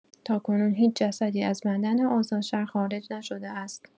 تاکنون هیچ جسدی از معدن آزادشهر خارج نشده است